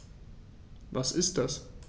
Was ist das?